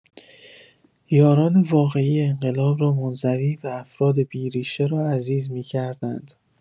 یاران واقعی انقلاب را منزوی و افراد بی‌ریشه را عزیز می‌کردند.